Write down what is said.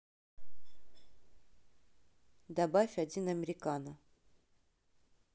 добавь один американо